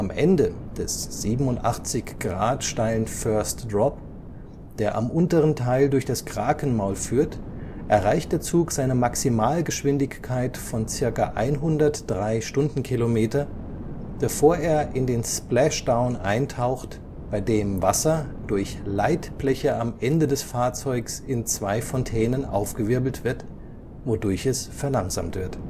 Ende des 87 Grad steilen First Drop, der am unteren Teil durch das Krakenmaul führt, erreicht der Zug seine Maximalgeschwindigkeit von ca. 103 km/h, bevor er in den Splashdown eintaucht, bei dem Wasser durch Leitbleche am Ende des Fahrzeugs in zwei Fontänen aufgewirbelt wird, wodurch es verlangsamt wird